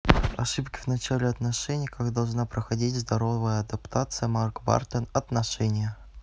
ошибки в начале отношений как должна проходить здоровая адаптация марк бартон отношения